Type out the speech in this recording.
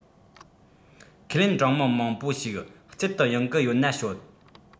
ཁས ལེན གྲོང མི མང པོ ཞིག རྩེད དུ ཡོང གི ཡོད ན ཤོད